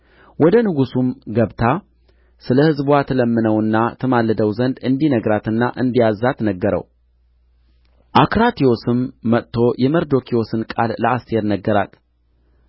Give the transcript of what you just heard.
ወደ ንጉሡም ገብታ ስለ ሕዝብዋ ትለምነውና ትማልደው ዘንድ እንዲነግራትና እንዲያዝዛት ነገረው አክራትዮስም መጥቶ የመርዶክዮስን ቃል ለአስቴር ነገራት